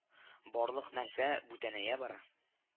Барлык нәрсә бүтәнәя бара